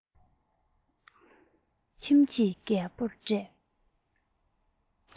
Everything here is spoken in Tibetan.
ཁྱིམ ཀྱི རྒད པོར སྤྲད